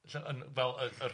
Lle- yn fel yr .